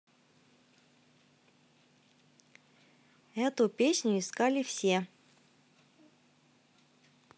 эту песню искали все